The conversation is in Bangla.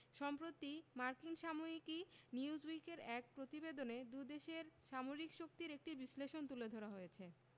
সম্প্রতি মার্কিন সাময়িকী নিউজউইকের এক প্রতিবেদনে দু দেশের সামরিক শক্তির একটি বিশ্লেষণ তুলে ধরা হয়েছে